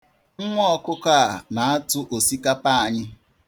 Nwa ọkụkọ a na-atụ osikapa anyị.